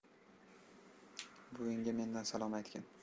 buvingga mendan salom aytgin